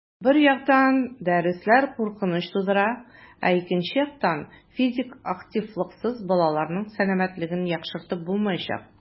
Бер яктан, дәресләр куркыныч тудыра, ә икенче яктан - физик активлыксыз балаларның сәламәтлеген яхшыртып булмаячак.